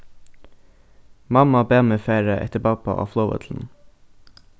mamma bað meg fara eftir babba á flogvøllinum